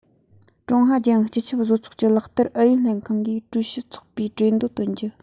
ཀྲུང ཧྭ རྒྱལ ཡོངས སྤྱི ཁྱབ བཟོ ཚོགས ཀྱི ལག བསྟར ཨུ ཡོན ལྷན ཁང གི ཀྲུའུ ཞི ཚོགས པས གྲོས འགོ བཏོན རྒྱུ